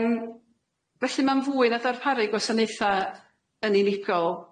Yym felly ma'n fwy na darparu gwasanaetha yn unigol.